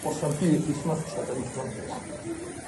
'o's sam byd cyn smartiad â nico nagoes. Nacos.